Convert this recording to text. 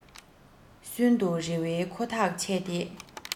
གསོན དུ རེ བའི ཁོ ཐག ཆད དེ